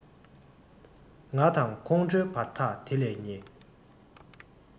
ང དང ཁོང ཁྲོའི བར ཐག དེ ལས ཉེ